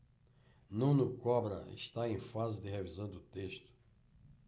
nuno cobra está em fase de revisão do texto